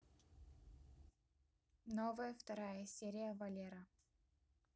новая вторая серия валера